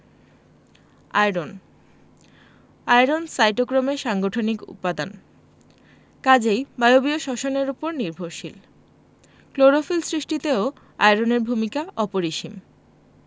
iron iron সাইটোক্রোমের সাংগঠনিক উপাদান কাজেই বায়বীয় শ্বসন এর উপর নির্ভরশীল ক্লোরোফিল সৃষ্টিতেও আয়রনের ভূমিকা অপরিসীম